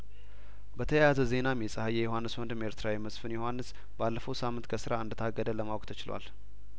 በተያያዘ ዜናም የጸሀዬ ዮሀንስ ወንድም ኤርትራዊው መስፍን ዮሀንስ ባለፈው ሳምንት ከስራ እንደታገደ ለማወቅ ተችሏል